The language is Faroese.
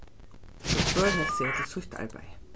og hvør helt seg til sítt arbeiði